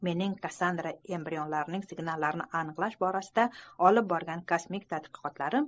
mening kassandra embrionlarning signallarini aniqlash borasida olib borgan kosmik tadqiqotlarim